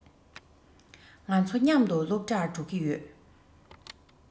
ང ཚོ མཉམ དུ སློབ གྲྭར འགྲོ གི ཡོད